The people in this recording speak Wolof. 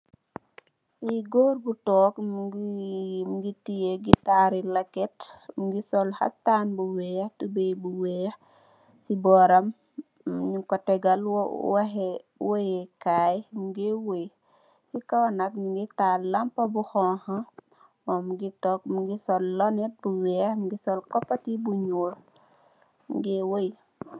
Li Goor gu took mugi teya gitar leket mugi sol haftan bu wex ak toubey bu wex ci boram njunko tegal wayekai muge waye ci kawnak mugi tahal lapa bu honka mugi tooke mugi sol lonete yu wex mugi sol copati bu njoul mu gewaye